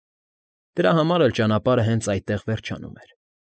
Դրա համար էլ ճանապարհը հենց այդտեղ վերջանում էր։